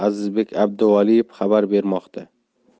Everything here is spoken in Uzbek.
azizbek abduvaliyev xabar bermoqda